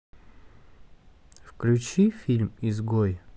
включи фильм изгой